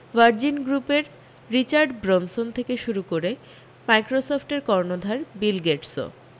virgin গ্রুপের Richard Branson থেকে শুরু করে মাইক্রোসফ্টের কর্ণধার বিল গেটসও